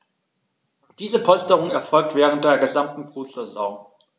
Diese Polsterung erfolgt während der gesamten Brutsaison.